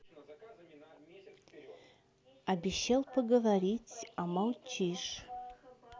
обещал поговорить а молчишь